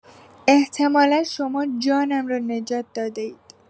احتمالا شما جانم را نجات داده‌اید.